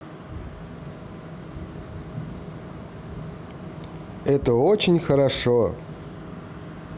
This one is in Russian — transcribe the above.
это очень хорошо